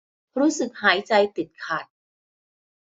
รู้สึกหายใจติดขัด